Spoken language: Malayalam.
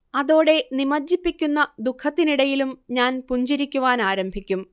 അതോടെ നിമജ്ജിപ്പിക്കുന്ന ദുഃഖത്തിനിടയിലും ഞാൻ പുഞ്ചിരിക്കുവാനാരംഭിക്കും